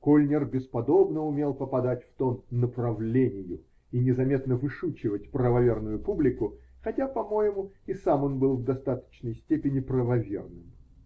Кольнер бесподобно умел попадать в тон "направлению" и незаметно вышучивать правоверную публику, хотя, по-моему, и сам он был в достаточной степени "правоверным".